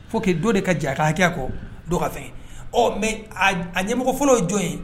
Fo que don de ka jarakɛya kɔ don ka fɛ mɛ a ɲɛmɔgɔ fɔlɔ ye jɔn ye